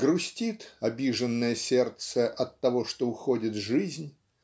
грустит обиженное сердце оттого что уходит жизнь